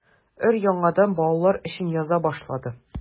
Өр-яңадан балалар өчен яза башлады.